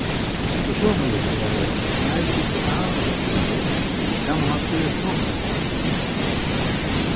og so má eg svara at tað havi eg ikki ánilsi fyri tað má hann spyrja konuna um